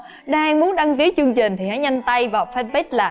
đang muốn đăng kí chương trình thì hãy nhanh tay vào phan bết là